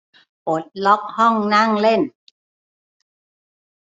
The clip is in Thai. ปลดล็อกห้องนั่งเล่น